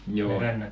joo